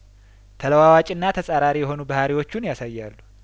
ተለዋዋጭና ተጻራሪ የሆኑ ባህሪዎቹን ያሳ ያሉ